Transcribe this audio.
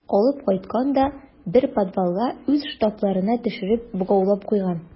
Алып кайткан да бер подвалга үз штабларына төшереп богаулап куйган.